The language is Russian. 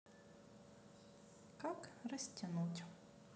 как растянуть